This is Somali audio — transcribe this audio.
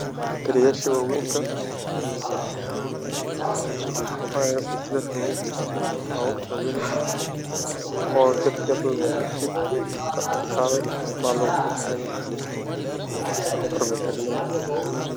Waa batariyaal waaween oo dab ah